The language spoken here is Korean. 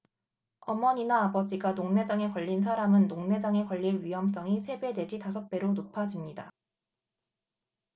어머니나 아버지가 녹내장에 걸린 사람은 녹내장에 걸릴 위험성이 세 배 내지 다섯 배로 높아집니다